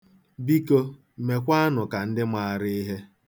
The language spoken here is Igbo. Biko, mekwaanụ ka ndị maara ihe.